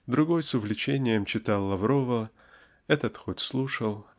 другой с увлечением читал Лаврова,-- этот хоть слушая